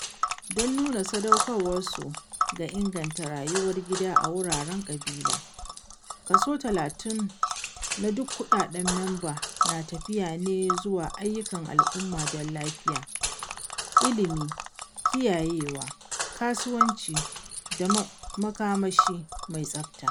Don nuna sadaukarwarsu ga inganta rayuwar gida a wuraren "kabilar," 30% na duk kuɗaɗen memba na tafiya ne zuwa ayyukan al'umma don lafiya, ilimi, kiyayewa, kasuwanci da makamashi mai tsafta.